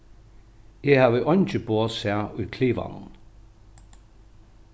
eg havi eingi boð sæð í klivanum